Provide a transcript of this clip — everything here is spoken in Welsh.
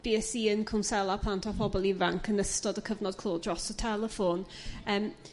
Bues i yn cwnsela plant a phobol ifanc yn ystod y cyfnod clo dros y teleffon